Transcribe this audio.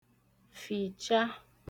fìcha